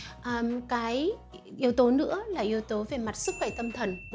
cái yếu tố nữa là yếu tố về mặt sức khỏe tâm thần